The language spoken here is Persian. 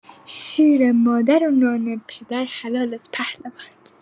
شیر مادر و نان پدر حلالت پهلوان!